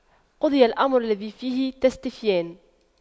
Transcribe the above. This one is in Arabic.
قُضِيَ الأَمرُ الَّذِي فِيهِ تَستَفِتيَانِ